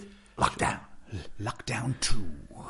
Lockdown, lock- lockdown two.